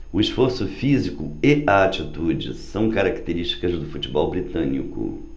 o esforço físico e a atitude são característicos do futebol britânico